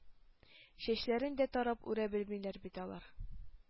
Чәчләрен дә тарап үрә белмиләр бит алар...